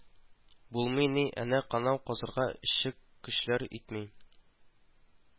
Булмый ни, әнә канау казырга эшче көчләр итми